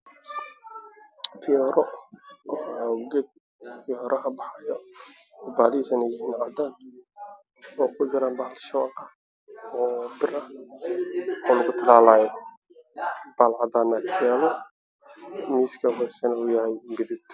Waa ubax midabkiisu yahay caddaan pinki